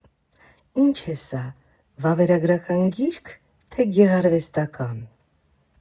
Ի՞նչ է սա, վավերագրական գի՞րք, թե՞ գեղարվեստական։